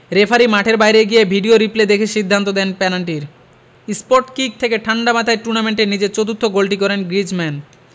referee মাঠের বাইরে গিয়ে ভিডিও রিপ্লে দেখে সিদ্ধান্ত দেন পেনাল্টির স্পটকিক থেকে ঠাণ্ডা মাথায় টুর্নামেন্টে নিজের চতুর্থ গোলটি করেন গ্রিজমান